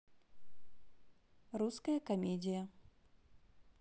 русская комедия